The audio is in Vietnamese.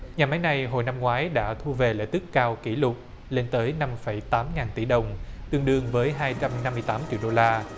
nhà máy này hồi năm ngoái đã thu về lợi tức cao kỷ lục lên tới năm phẩy tám ngàn tỷ đồng tương đương với hai trăm năm mươi tám tỷ đô la